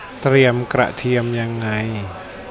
เตรียมกระเทียมยังไง